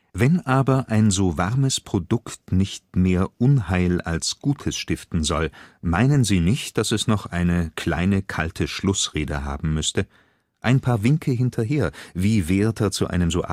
Wenn aber ein so warmes Produkt nicht mehr Unheil als Gutes stiften soll: meynen Sie nicht, daß es noch eine kleine kalte Schlußrede haben müsste? Ein Paar Winke hinterher, wie Werther zu einem so